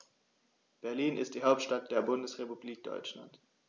Berlin ist die Hauptstadt der Bundesrepublik Deutschland.